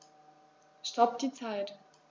Stopp die Zeit